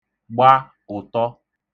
gba ụ̀tọ